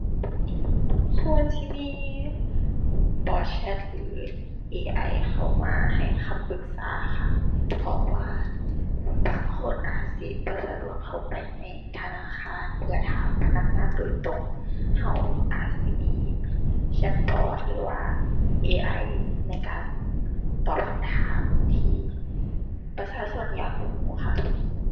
ควรสิมี bot chat หรือ AI เข้ามาให้คำปรึกษานะคะ เพราะว่าบางคนอาจสิบ่สะดวกเข้าไปในธนาคาร เพื่อถามพนักงานโดยตรง เราอาจสิมี chat bot หรือว่า AI ในการตอบคำถามที่ประชาชนอยากเราค่ะ